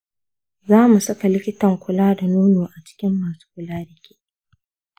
zamu saka likitan kula da nono a cikin masu kula da dake.